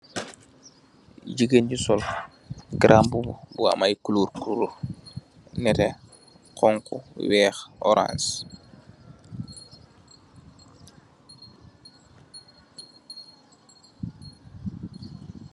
Jigeen ju sol garambubu bu am ay color color, nete, xonxa, weex, oraans